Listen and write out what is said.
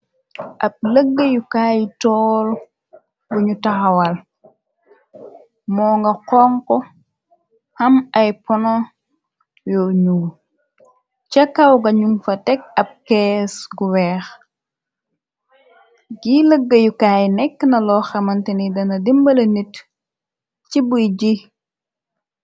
Ab lëggayukaay tool buñu taxawal moo nga xonku ham ay pono yu ñu cà kaw ga ñum fa teg ab kees gu weex gi lëggayukaay nekk na loo xamante ni dana dimbala nit ci buy ji.